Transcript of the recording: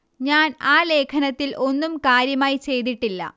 ഞാൻ ആ ലേഖനത്തിൽ ഒന്നും കാര്യമായി ചെയ്തിട്ടില്ല